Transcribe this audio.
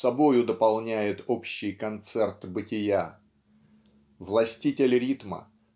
собою дополняет общий концерт бытия. Властитель ритма